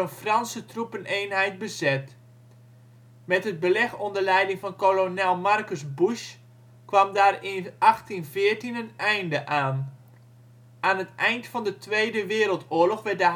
Franse troepeneenheid bezet. Met het beleg o.l.v. kolonel Marcus Busch kwam daar in 1814 een einde aan. Aan het eind van de Tweede Wereldoorlog werd de haven